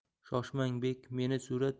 shoshmang bek meni surat